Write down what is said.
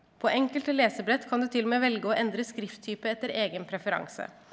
på enkelte lesebrett kan du t.o.m. velge å endre skrifttype etter egen preferanse.